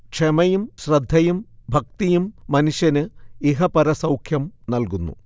ക്ഷമയും ശ്രദ്ധയും ഭക്തിയും മനുഷ്യന് ഇഹപരസൗഖ്യം നൽകുന്നു